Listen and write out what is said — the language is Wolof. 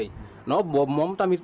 bi ñu doon yàgg a béy